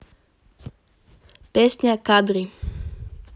песня кадри